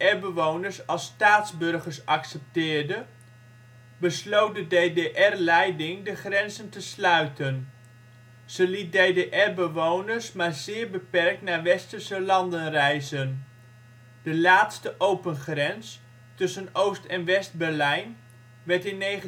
DDR-bewoners als staatsburgers accepteerde, besloot de DDR-leiding de grenzen te sluiten. Ze liet DDR-bewoners maar zeer beperkt naar Westerse landen reizen. De laatste open grens, tussen Oost - en West-Berlijn, werd in 1961